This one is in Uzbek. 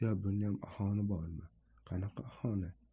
yo buniyam ohoni bormi qanaqa ohoni